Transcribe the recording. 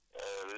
moom janax